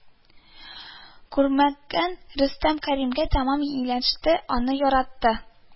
Күрмәгән рөстәм кәримгә тәмам ияләште, аны яратты